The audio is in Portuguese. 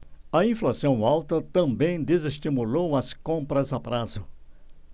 a inflação alta também desestimulou as compras a prazo